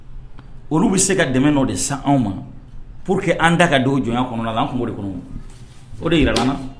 Olu bɛ se ka dɛmɛ dɔ de se anw ma pourque an da ka don o jɔnya kɔnɔna na, an tu b'o de kɔnɔ o, o de jirala an na!